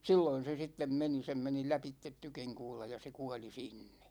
silloin se sitten meni sen meni lävitse tykinkuula ja se kuoli sinne